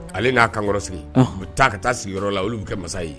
Ale n'a kanyɔrɔ sigi u bɛ taa ka taa la oluu kɛ ka masa ye